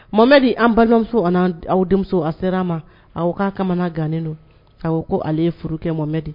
Mɔmɛ an balimamuso aw denmuso a sera a ma aw k'a kamana gannen don a ko ale ye furu kɛ mɔmɛ de